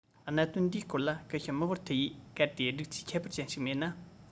གནད དོན འདིའི སྐོར ལ སྐུ ཞབས མི ཝར ཐི ཡིས གལ ཏེ སྒྲིག ཆས ཁྱད པར ཅན ཞིག མེད ན